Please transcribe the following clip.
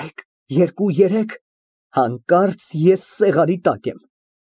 Մեկ, երկու, երեք, հանկարծ ես սեղանի տակ եմ։